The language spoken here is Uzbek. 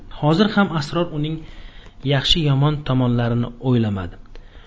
hozir xam sror uning yaxshi yo yomon tomonlarini uylamadi